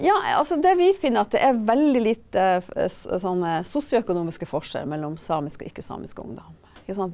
ja altså det vi finner at det er veldig lite av sånne sosioøkonomiske forskjell mellom samisk og ikke-samisk ungdom ikke sant.